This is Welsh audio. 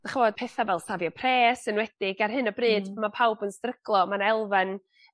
dych'mod petha fel safio pres enwedig ar hyn o bryd... Hmm. ...ma' pawb yn stryglo ma'n elfen